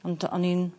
Ond o'n i'n